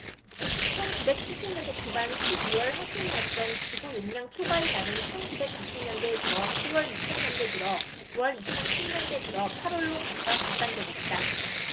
천 구백 칠십 년대 초반 십 이 월 하순이었던 지구 용량 초과의 날은 천 구백 구십 년대 들어 시 월 이천 년대 들어 구 월 이천 십 년대 들어 팔 월로 각각 앞당겨졌다